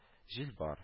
Җил бар